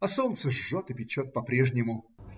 А солнце жжет и печет по-прежнему.